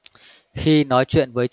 khi nói chuyện với